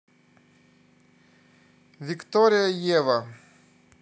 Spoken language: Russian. виктория ева